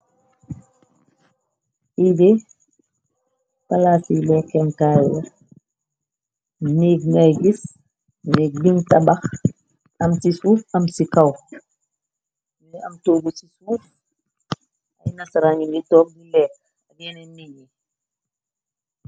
Edé, palaasi bo kenkaayu wa, nig ngay gis, nik bing tabax, am ci suuf, am ci kaw, ni am towbu ci suuf, ay nasaranu ndi tor di lee, ab yeneen niñ yi.